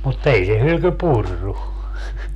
mutta ei se hylky purrut